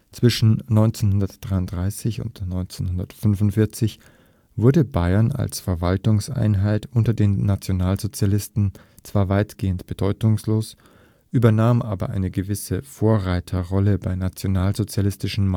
Zwischen 1933 und 1945 wurde Bayern als Verwaltungseinheit unter den Nationalsozialisten zwar weitgehend bedeutungslos, übernahm aber eine gewisse Vorreiterrolle bei nationalsozialistischen